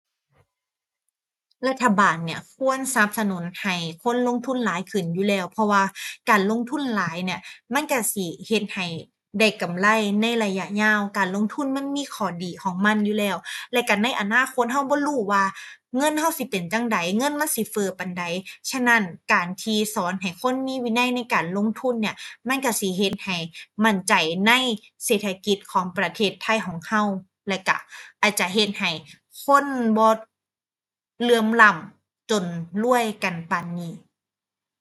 รัฐบาลเนี่ยควรสนับสนุนให้คนลงทุนหลายขึ้นอยู่แล้ว เพราะว่าการลงทุนหลายเนี่ยมันก็สิเฮ็ดให้ได้กำไรในระยะยาว การลงทุนมันมีข้อดีของมันอยู่แล้ว และก็ในอนาคตก็บ่รู้ว่าเงินก็สิเป็นจั่งใด เงินมันสิเฟ้อปานใด ฉะนั้นการที่สอนให้คนมีวินัยในการลงทุนเนี่ย มันก็สิเฮ็ดให้มั่นใจในเศรษฐกิจของประเทศไทยของก็ และก็อาจจะเฮ็ดให้คนบ่เหลื่อมล้ำจนรวยกันปานนี้